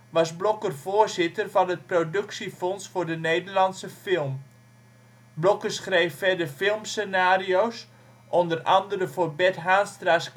was Blokker voorzitter van het Productiefonds voor de Nederlandse Film. Blokker schreef verder filmscenario 's, onder andere voor Bert Haanstra 's